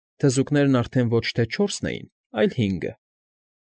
Թզուկներն արդեն ոչ թե չորսն էին, այլ հինգը։